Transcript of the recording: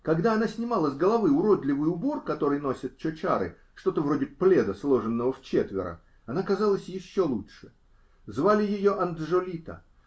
Когда она снимала с головы уродливый убор, который носят чочары, что-то вроде пледа, сложенного вчетверо, она казалась еще лучше. Звали ее Анджолита.